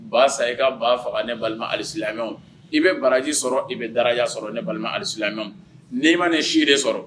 Ba sa i ka ba faga ne balima alisilamɛw i bɛ baraji sɔrɔ i bɛ dara sɔrɔ ne balima alisilamɛw n'i ma nin si de sɔrɔ